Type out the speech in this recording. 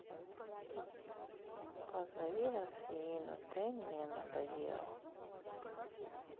позови афину ты мне надоел